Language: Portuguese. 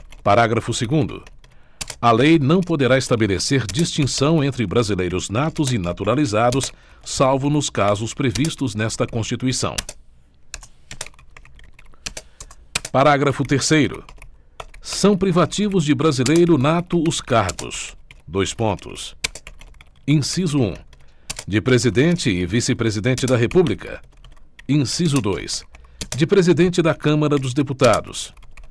parágrafo segundo a lei não poderá estabelecer distinção entre brasileiros natos e naturalizados salvo nos casos previstos nesta constituição parágrafo terceiro são privativos de brasileiro nato os cargos dois pontos inciso um de presidente e vice presidente da república inciso dois de presidente da câmara dos deputados